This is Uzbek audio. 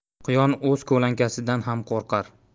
quyon o'z ko'lankasidan ham qo'rqar